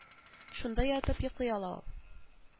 Шунда ятып йоклый ала ул